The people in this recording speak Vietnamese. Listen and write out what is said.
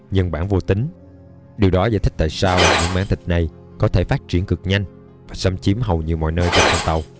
nhân bản vô tính điều đó giải thích tại sao những mảng thịt này có thể phát triển cực nhanh và xâm chiếm hầu như mọi nơi trên con tàu